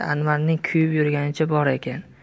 anvaring kuyib yurganicha bor ekan